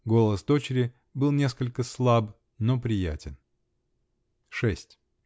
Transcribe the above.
голос дочери был несколько слаб, но приятен. Шесть.